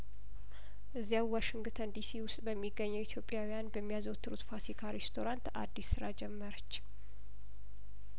እዚያው ዋሽንግተን ዲሲ ውስጥ በሚገኘው ኢትዮጵያውያን በሚያዘወትሩት ፋሲካ ሬስቶራንት አዲስ ስራ ጀመረች